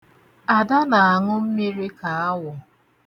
Ada na-aṅụ mmiri ka awọ.